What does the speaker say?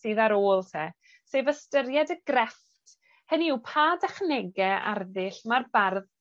sydd ar ôl 'te, sef ystyried y grefft hynny yw pa dechnege arddull ma'r bardd